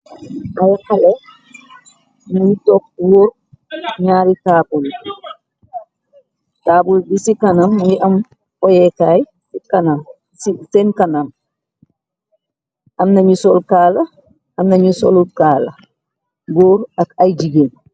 Ay haley nungi toog wóor ñaari taabl yi. Taabul bi ci kanam mungi am foyekaay ci sen kanam. Amna ñu sol kaala, amna ñu solul kaala góor ak ay jigéen.